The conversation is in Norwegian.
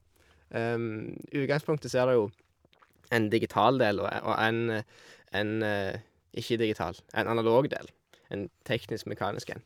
Utgangspunktet så er der jo en digital del og e og en en ikke-digital, en analog del, en teknisk-mekanisk en.